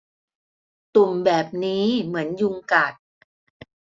ตุ่มแบบนี้เหมือนยุงกัด